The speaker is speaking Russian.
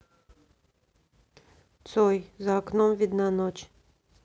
цой за окном видна ночь